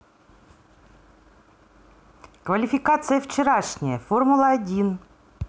квалификация вчерашняя формула один